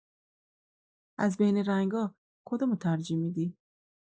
از بین رنگا، کدومو ترجیح می‌دی؟